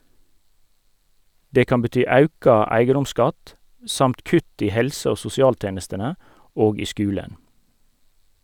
Det kan bety auka eigedomsskatt, samt kutt i helse- og sosialtenestene og i skulen.